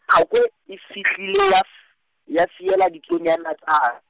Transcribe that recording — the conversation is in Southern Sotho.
phakwe e fihlile ya f-, ya fiela ditsuonyana tsa.